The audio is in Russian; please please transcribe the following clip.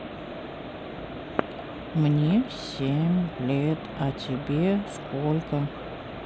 мне семь лет а тебе сколько